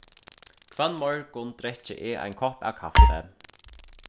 hvønn morgun drekki eg ein kopp av kaffi